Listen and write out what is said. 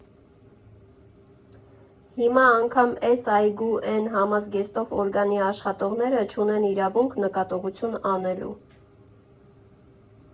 Հիմա անգամ էս այգու էն համազգեստով օրգանի աշխատողները չունեն իրավունք նկատողություն անելու։